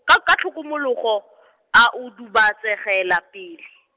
ka ka tlhokomologo , a udubatsegela pele.